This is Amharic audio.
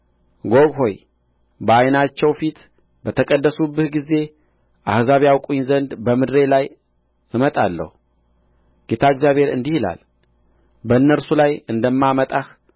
ጎግ ሆይ በዓይናቸው ፊት በተቀደስሁብህ ጊዜ አሕዛብ ያውቁኝ ዘንድ በምድሬ ላይ አመጣሃለሁ ጌታ እግዚአብሔር እንዲህ ይላል በእነርሱ ላይ እንደማመጣህ